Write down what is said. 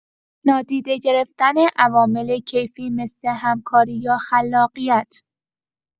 نادیده گرفتن عوامل کیفی مثل همکاری یا خلاقیت